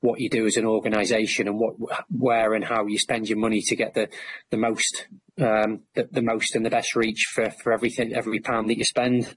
what you do as an organisation, and what wh- where and how you spend your money to get the the most erm the the most and the best reach for for everything every pound that you spend.